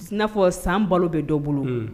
Fɔ san balo bɛ dɔ bolo